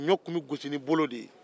ɲɔ tun bɛ gosi ni bolo de ye